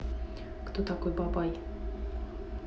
кто такой бабай